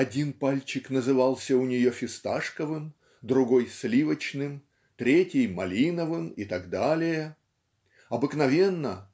"Один пальчик назывался у нее фисташковым другой сливочным третий малиновым и т. д. Обыкновенно